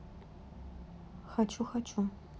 хочу хочу